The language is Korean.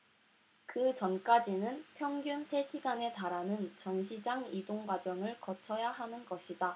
그 전까지는 평균 세 시간에 달하는 전시장 이동과정을 거쳐야 하는 것이다